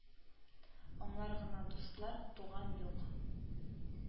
Аңлар гына дуслар, туган юк